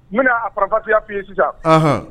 N bɛna a fanaya fɔ yen sisan